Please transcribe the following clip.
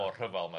o'r rhyfel yma.